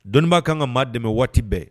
Dɔnnibaa kan ka maa dɛmɛ waati bɛɛ